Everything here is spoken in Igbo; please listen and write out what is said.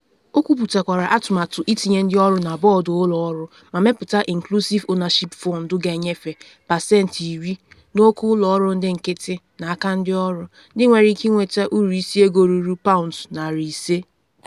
O kwuputakwara atụmatụ itinye ndị ọrụ na bọdụ ụlọ ọrụ ma mepụta Inclusive Ownership Fund ga-enyefe pesenti 10 n’oke ụlọ ọrụ ndị nkịtị n’aka ndị ọrụ, ndị nwere ike inweta uru isi ego ruru £500.